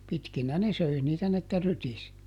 pitkinä ne söi niitä niin että rytisi